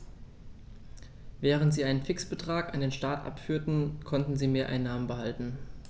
Während sie einen Fixbetrag an den Staat abführten, konnten sie Mehreinnahmen behalten.